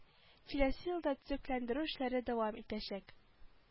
Киләсе елда төзекләндерү эшләре дәвам итәчәк